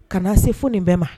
Kana se fo nin bɛɛ ma